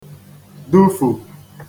-dufù